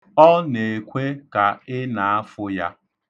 Ọ na-ekwe ka ị na-afụ ya.